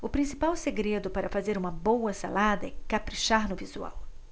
o principal segredo para fazer uma boa salada é caprichar no visual